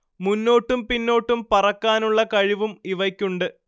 മുന്നോട്ടും പിന്നോട്ടും പറക്കാനുള്ള കഴിവും ഇവയ്ക്കുണ്ട്